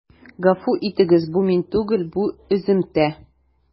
Гафу итегез, бу мин түгел, бу өземтә.